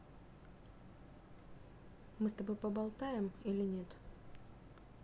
мы с тобой поболтаем или нет